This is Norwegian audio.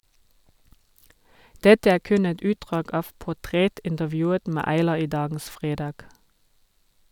Dette er kun et utdrag av portrettintervjuet med Aylar i dagens FREDAG.